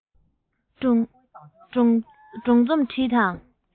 སྒྲུང རྩོམ བྲིས དང